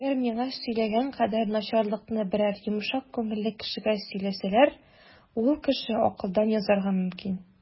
Әгәр миңа сөйләгән кадәр начарлыкны берәр йомшак күңелле кешегә сөйләсәләр, ул кеше акылдан язарга мөмкин.